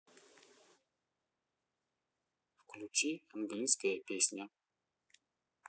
включи английская песня